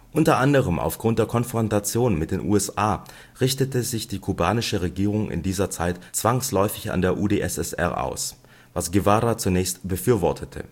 Unter anderem aufgrund der Konfrontation mit den USA richtete sich die kubanische Regierung in dieser Zeit zwangsläufig an der UdSSR aus, was Guevara zunächst befürwortete